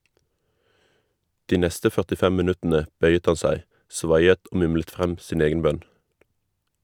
De neste 45 minuttene bøyet han seg, svaiet og mumlet frem sin egen bønn.